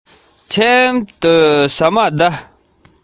བྱིའུ ཤ ཟ བཞིན ཟ བཞིན